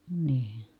niin